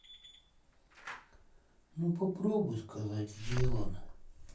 ну попробуй сказать сделано